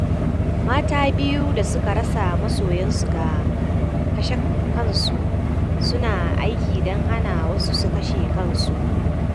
Mata biyu da suka rasa masoyan su ga kashe kansu su na aiki don hana wasu su kashe kansu.